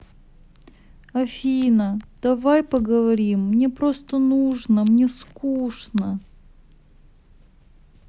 афина давай поговорим мне просто нужно мне скучно